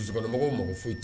Musobagaw mako foyi ten